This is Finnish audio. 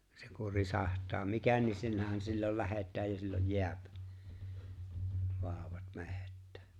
se kun risahtaa mikä niin sillähän silloin lähdetään ja silloin jää vauvat metsään